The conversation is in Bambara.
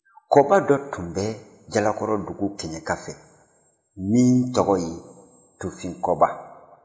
kɔba dɔ tun bɛ jalakɔrɔ dugu kɛɲɛka fɛ min tɔgɔ ye tufin kɔba